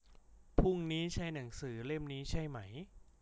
พรุ่งนี้ใช้หนังสือเล่มนี้ใช่ไหม